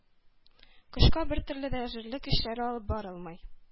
Кышка бертөрле дә әзерлек эшләре алып барылмый.